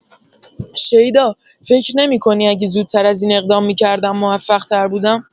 شیدا، فکر نمی‌کنی اگه زودتر از این اقدام می‌کردم موفق‌تر بودم؟